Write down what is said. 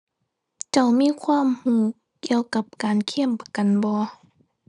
เจ้ามีความรู้เกี่ยวกับการเคลมประกันบ่